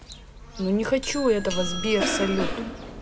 ну не хочу этого сбер салют